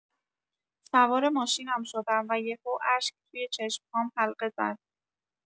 سوار ماشینم شدم و یه‌هو اشک توی چشم‌هام حلقه زد.